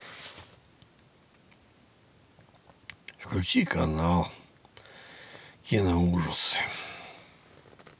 включи канал киноужасы